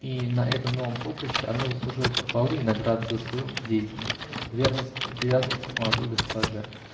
И на этом новом поприще она заслужила похвалы и награды за свою деятельность, верность и привязанность к молодой госпоже.